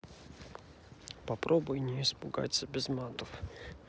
попробуй не испугаться без матов